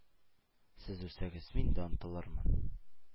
Сез үлсәгез, мин дә онтылырмын,